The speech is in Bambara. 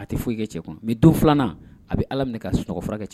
A tɛ foyi ikɛ cɛ ni don filanan a bɛ ala minɛ ka sunɔgɔ furakɛkɛ cɛ